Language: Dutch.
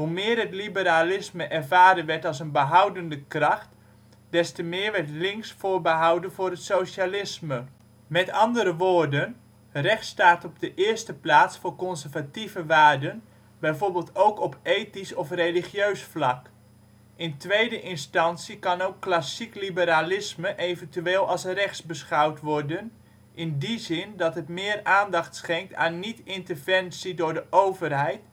meer het liberalisme ervaren werd als een behoudende kracht, des te meer werd " links " voorbehouden voor het socialisme. Met andere woorden, rechts staat op de eerste plaats voor conservatieve waarden, bijvoorbeeld ook op ethisch op religieus vlak. In tweede instantie kan ook klassiek liberalisme eventueel als rechts beschouwd worden, in die zin dat het meer aandacht schenkt aan niet-interventie door de overheid